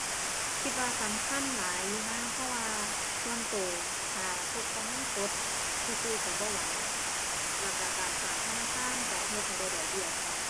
คิดว่าสำคัญหลายอยู่นะ เพราะว่าส่วนตัวถ้าพกแต่เงินสดซื่อซื่อตัวบ่ไหว แล้วตัวการฝากธนาคารตัวเฮ็ดให้ได้ดอกเบี้ยพร้อม